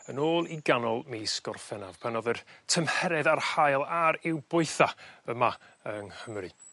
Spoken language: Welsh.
yn ôl i ganol mis Gorffennaf pan o'dd yr tymheredd a'r haul ar i'w boetha' yma yng Nghymaru.